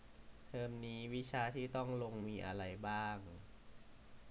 เทอมนี้วิชาที่ต้องลงมีอะไรบ้าง